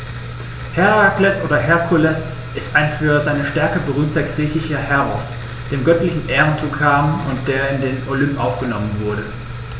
Herakles oder Herkules ist ein für seine Stärke berühmter griechischer Heros, dem göttliche Ehren zukamen und der in den Olymp aufgenommen wurde.